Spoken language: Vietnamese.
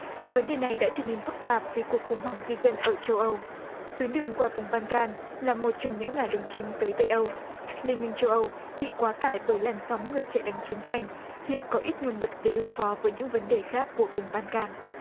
vấn đề này đã trở nên phức tạp vì cuộc khủng hoảng di dân ở châu âu tuyến đường qua vùng ban kan là một trong những ngả đường chính tới tây âu liên minh châu âu bị quá tải bởi làn sóng người chạy lánh chiến tranh hiện có ít nguồn lực để đối phó với những vấn đề khác của vùng ban kan